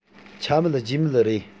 ཆ མེད རྒྱུས མེད རེད